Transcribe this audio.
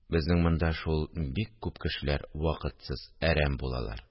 – безнең монда шул бик күп кешеләр вакытсыз әрәм булалар